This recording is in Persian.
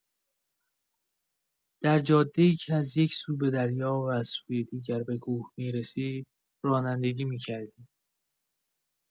در جاده‌ای که از یکسو به دریا و از سوی دیگر به کوه می‌رسید، رانندگی می‌کردیم.